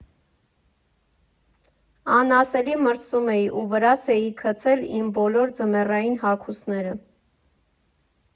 Անասելի մրսում էի ու վրաս էի գցել իմ բոլոր ձմեռային հագուստները.